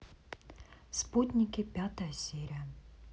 спутники пятая серия